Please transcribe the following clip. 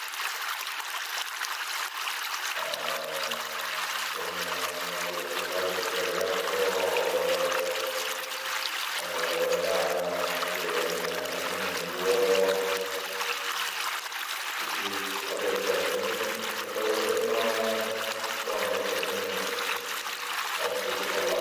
Sjøl om det har vorre stor arbeidsledighet, så har det er det gjerne b veien økonomien går, og o hvorvidt arbeidsledigheten synker eller øker, som er poenget, ikke så mye det absolutte tallet.